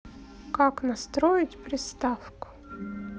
как настроить приставку